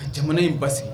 Jamana y in ba